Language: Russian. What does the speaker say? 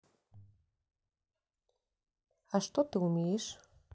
а что ты умеешь